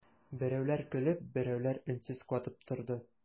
Берәүләр көлеп, берәүләр өнсез катып торды.